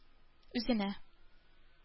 Үзенә